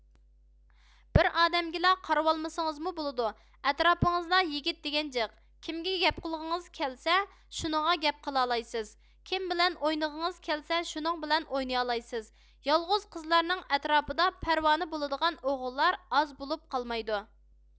بىر ئادەمگىلا قارىۋالمىسڭزمۇ بولىدۇ ئەتراپىڭىزدا يىگىت دىگەن جىق كىمگە گەپقىلغىڭىز كەلسە شۇنىڭغا گەپ قىلالايىىسز كىم بىلەن ئوينىغىڭىز كەلسە شۇنىڭ بىلەن ئوينىيالايىسز يالغۇز قىزلارنىڭ ئەتراپىدا پەرۋانە بولىدىغان ئوغۇللار ئاز بولۇپ قالمايدۇ